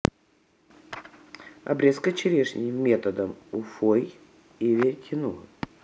обрезка черешни методом уфой и веретено